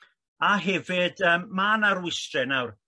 a hefyd yym mae 'na rwystre nawr